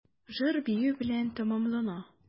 Җыр-бию белән тәмамлана.